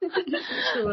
Siŵr...